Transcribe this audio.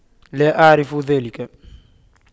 لا اعرف ذلك